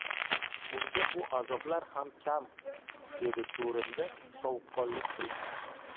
unga bu azoblar ham kam dedi chuvrindi sovuqqonlik bilan